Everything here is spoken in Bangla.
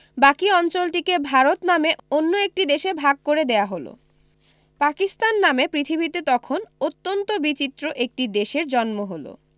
বাকী অঞ্চলটিকে ভারত নামে অন্য একটি দেশে ভাগ করে দেয়া হলো পাকিস্তান নামে পৃথিবীতে তখন অত্যন্ত বিচিত্র একটি দেশের জন্ম হলো